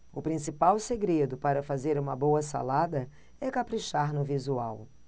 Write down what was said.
o principal segredo para fazer uma boa salada é caprichar no visual